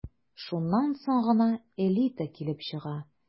Шуннан соң гына «элита» килеп чыга...